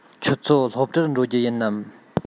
ཁྱོད ཚོ སློབ གྲྭར འགྲོ རྒྱུ ཡིན ནམ